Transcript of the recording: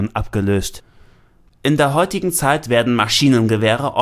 abgelöst. In der heutigen Zeit werden Maschinengewehre